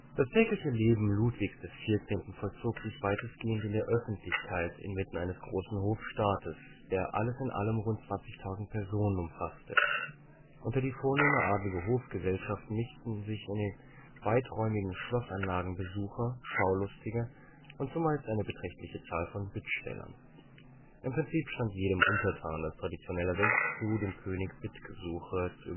Das tägliche Leben Ludwigs XIV. vollzog sich weitestgehend in der Öffentlichkeit inmitten eines großen Hofstaates, der alles in allem rund 20.000 Personen umfasste. Unter die vornehme, adelige Hofgesellschaft mischten sich in den weiträumigen Schlossanlagen Besucher, Schaulustige und zumeist eine beträchtliche Zahl von Bittstellern. Im Prinzip stand jedem Untertan das traditionelle Recht zu, dem König Bittgesuche (placets) zu überreichen